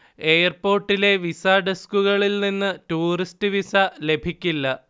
എയർപോര്ട്ടിലെ visa ഡെസ്കുകളില്നിന്ന് tourist visa ലഭിക്കില്ല